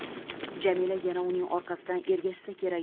jamila yana uning orqasidan ergashsa kerak